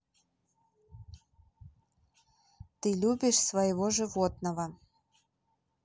ты любишь своего животного